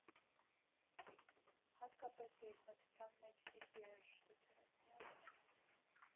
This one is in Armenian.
«Հատկապես, երբ մթության մեջ ճիշտ երաժշտություն ես միացնում»